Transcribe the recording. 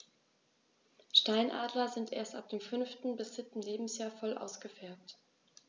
Steinadler sind erst ab dem 5. bis 7. Lebensjahr voll ausgefärbt.